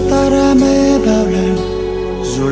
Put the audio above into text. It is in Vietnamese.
đi